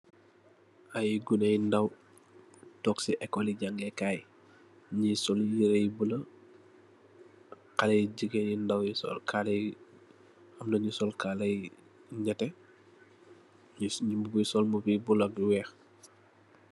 Ay gunne yu ndaw si toog si ekooli jangee kaay, ñii Sol yire yu bulo, xale jigeeni no ndaw Sol kaala yu nette, Sol mbuba yu bulo ak yu weex.